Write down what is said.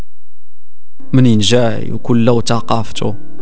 منين جاي يقول لو تقافت